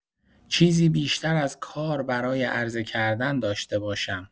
چیزی بیشتر از کار برای عرضه‌کردن داشته باشم.